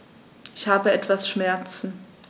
Ich habe etwas Schmerzen.